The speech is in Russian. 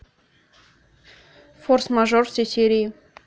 форс мажор все серии